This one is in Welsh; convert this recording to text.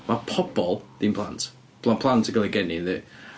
Ma' pobl, dim plant. Ma' plant yn cael eu geni yndi.